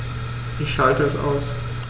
Ich schalte es aus.